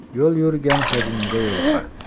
yo'l yurgan xazinaga yo'liqar